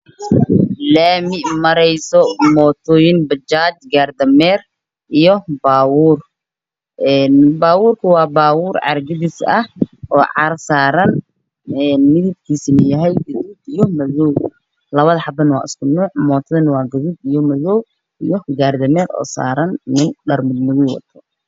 Waa laami waxaa maraayo bajaaj, gaari dameer iyo baabuur oo carro gadis ah oo carro saaran tahay midabkiisu waa gaduud iyo madow, mootaduna waa gaduud iyo madow iyo gaari dameer oo saaran nin dhar madow wato.